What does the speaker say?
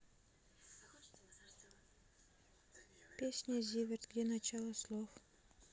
песня зиверт где начало слов